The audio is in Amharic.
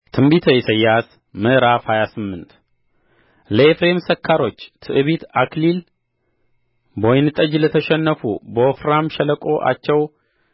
ትንቢተ ኢሳይያስ ምዕራፍ ሃያ ስምንት ለኤፍሬም ሰካሮች ትዕቢት አክሊል በወይን ጠጅ ለተሸነፉ በወፍራም ሸለቆአቸው